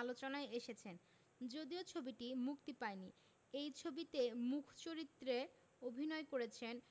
আলোচনায় এসেছেন যদিও ছবিটি মুক্তি পায়নি এই ছবিতে মূখ চরিত্রে অভিনয় করছেন